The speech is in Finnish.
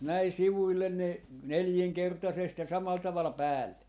näin sivuille ne nelinkertaisesti ja samalla tavalla päälle